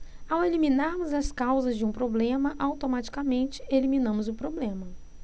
ao eliminarmos as causas de um problema automaticamente eliminamos o problema